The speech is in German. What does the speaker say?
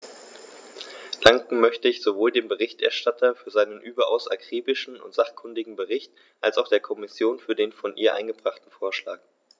Danken möchte ich sowohl dem Berichterstatter für seinen überaus akribischen und sachkundigen Bericht als auch der Kommission für den von ihr eingebrachten Vorschlag.